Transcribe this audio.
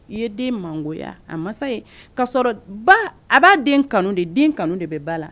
I ye den mangoya a masa ye, ka sɔrɔ ba , a b'a den kanu de. Den kanu de bɛ ba la.